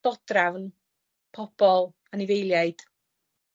...dodrafn, pobol, anifeiliaid.